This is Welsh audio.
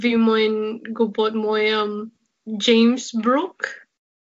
fi moyn gwbod mwy am James Brooke.